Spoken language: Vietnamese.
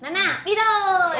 na na đi thôi